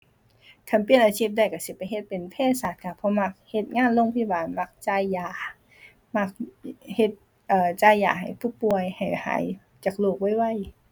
คันเปลี่ยนอาชีพได้ ก็สิไปเฮ็ดเป็นเภสัชค่ะ เพราะมักเฮ็ดงานโรงพยาบาล มักจ่ายยา มัก เฮ็ด เอ่อ จ่ายยาให้ผู้ป่วยให้หายจากโรคไวไว